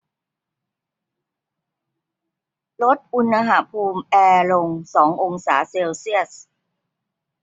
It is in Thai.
ลดอุณหภูมิแอร์ลงสององศาเซลเซียส